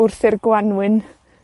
wrth i'r Gwanwyn